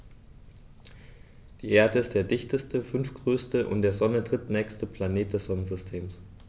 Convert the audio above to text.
Die Erde ist der dichteste, fünftgrößte und der Sonne drittnächste Planet des Sonnensystems.